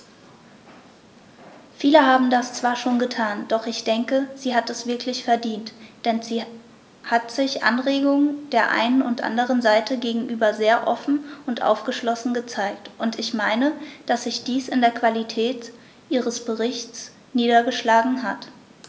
Viele haben das zwar schon getan, doch ich denke, sie hat es wirklich verdient, denn sie hat sich Anregungen der einen und anderen Seite gegenüber sehr offen und aufgeschlossen gezeigt, und ich meine, dass sich dies in der Qualität ihres Berichts niedergeschlagen hat.